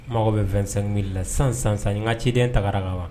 Mɔgɔ bɛ fɛnsɛn la san sansan n ka ciden tara ka wa